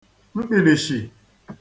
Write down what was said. mkpìlìshì